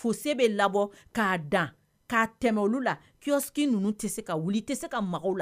Fose bɛ labɔ ka dan . Ka tɛmɛ olu la kiosque nunun te se ka wuli i te se ka maku la.